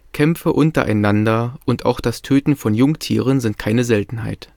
Kämpfe untereinander und auch das Töten von Jungtieren sind keine Seltenheit